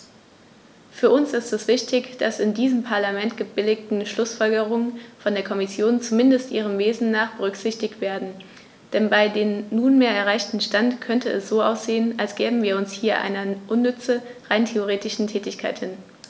Für uns ist es wichtig, dass die in diesem Parlament gebilligten Schlußfolgerungen von der Kommission, zumindest ihrem Wesen nach, berücksichtigt werden, denn bei dem nunmehr erreichten Stand könnte es so aussehen, als gäben wir uns hier einer unnütze, rein rhetorischen Tätigkeit hin.